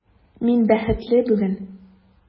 Мин бәхетле бүген!